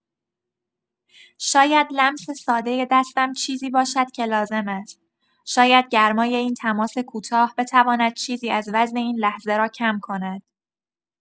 شاید لمس سادۀ دستم چیزی باشد که لازم است، شاید گرمای این تماس کوتاه بتواند چیزی از وزن این لحظه را کم کند.